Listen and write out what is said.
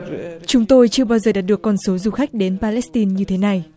chúng tôi chưa bao giờ đạt được con số du khách đến pa lét tin như thế này